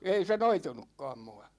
ei se noitunutkaan minua